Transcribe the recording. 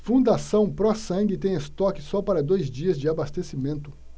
fundação pró sangue tem estoque só para dois dias de abastecimento